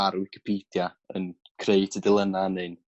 ar Wicipidia yn creu tudalenna neu'n